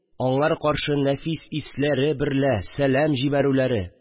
Аңар каршы нәфис исләре берлә сәлам җибәрүләре